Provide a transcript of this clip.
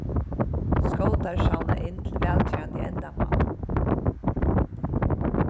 skótar savna inn til vælgerandi endamál